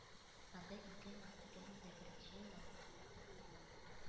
Анда ике мең-ике мең дә беренче елгы